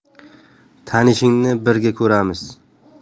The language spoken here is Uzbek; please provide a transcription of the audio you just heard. tanishingni birga ko'ramiz